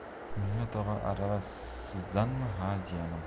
mulla tog'a arava sizdanmi ha jiyanim